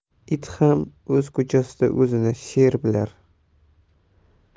it ham o'z ko'chasida o'zini sher bilar